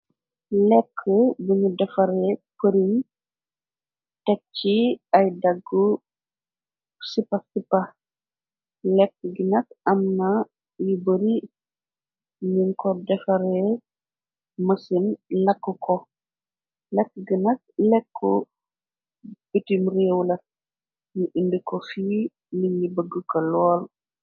Lekk buñu defaree përiñ tek ci ay daggu sipa-sipa lekk ginak am na yi bari nin ko defaree mësin lakk ko lekk ginak lekk bitim réewu la yu indi ko fi lini bëgg ka lool.